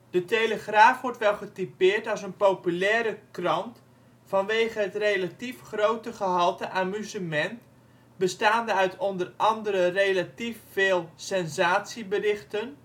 De Telegraaf wordt wel getypeerd als een ' populaire krant ' vanwege het relatief grote gehalte amusement, bestaande uit onder andere relatief veel " sensatieberichten